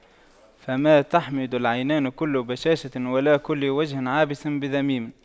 فما تحمد العينان كل بشاشة ولا كل وجه عابس بذميم